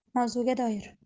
mavzuga doir